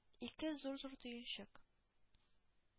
Ике зур-зур төенчек.